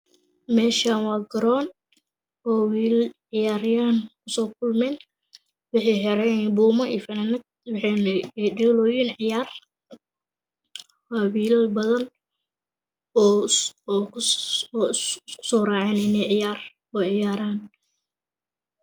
Meshan waa Garon oo wilal ciyar yahan kusoo kulmen waxa ay xeran yihin bumo iyo fananad wxay ay dheloyin ciyar waa wilal bdan oo isku soo racen ine ciyaran